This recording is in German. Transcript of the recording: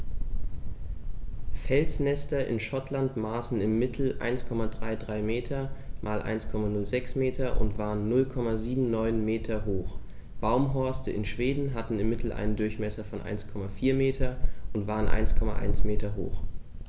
Felsnester in Schottland maßen im Mittel 1,33 m x 1,06 m und waren 0,79 m hoch, Baumhorste in Schweden hatten im Mittel einen Durchmesser von 1,4 m und waren 1,1 m hoch.